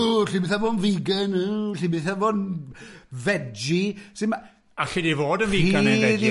Ww, lle byth e'n fod yn vegan, ww, lle byth e'n fod yn veggie, sy'n ma'. Alli di fod yn vegan neu veggie os ti isie?